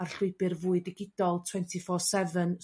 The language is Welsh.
Ar llwybyr fwy digidol twenty four seven